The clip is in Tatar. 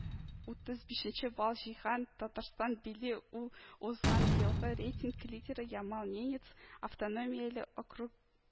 Утыз бишенче балл җыйган татарстан били, ул узган елгы рейтинг лидеры ямал-ненец автономияле округ